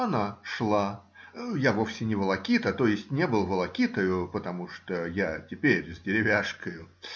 Она шла (я вовсе не волокита, то есть не был волокитою, потому что я теперь с деревяшкою).